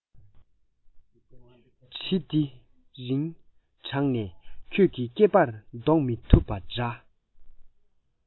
གྲི འདི རིང དྲགས ནས ཁྱོད ཀྱིས སྐེད པར འདོགས མི ཐུབ པ འདྲ